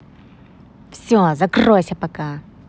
все закройся пока